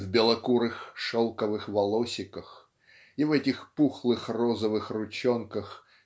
в белокурых шелковых волосиках и в этих пухлых розовых ручонках